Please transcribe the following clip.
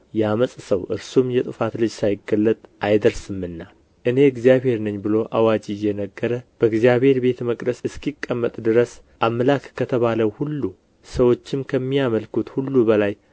የዓመፅ ሰው እርሱም የጥፋት ልጅ ሳይገለጥ አይደርስምና እኔ እግዚአብሔር ነኝ ብሎ አዋጅ እየነገረ በእግዚአብሔር ቤተ መቅደስ እስኪቀመጥ ድረስ አምላክ ከተባለው ሁሉ ሰዎችም ከሚያመልኩት ሁሉ በላይ